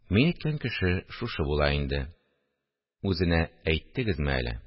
– мин әйткән кеше шушы була инде, үзенә әйттегезме әле